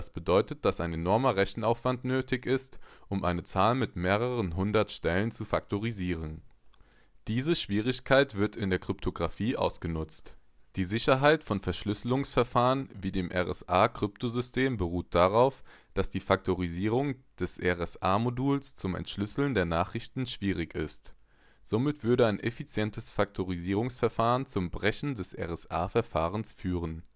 bedeutet, dass ein enormer Rechenaufwand notwendig ist, um eine Zahl mit mehreren hundert Stellen zu faktorisieren. Diese Schwierigkeit wird in der Kryptografie ausgenutzt. Die Sicherheit von Verschlüsselungsverfahren wie dem RSA-Kryptosystem beruht darauf, dass die Faktorisierung des RSA-Moduls zum Entschlüsseln der Nachrichten schwierig ist; somit würde ein effizientes Faktorisierungsverfahren zum Brechen des RSA-Verfahrens führen